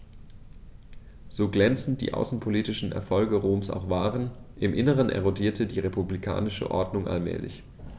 So glänzend die außenpolitischen Erfolge Roms auch waren: Im Inneren erodierte die republikanische Ordnung allmählich.